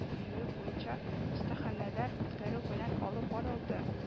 Биюе буенча остаханәләр үткәрү белән алып барылды